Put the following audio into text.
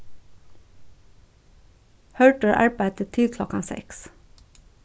hørður arbeiddi til klokkan seks